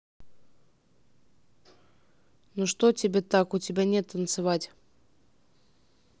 ну что тебе так у тебя нет танцевать